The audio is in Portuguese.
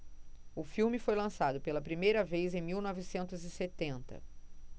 o filme foi lançado pela primeira vez em mil novecentos e setenta